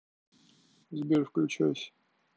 сбер включайся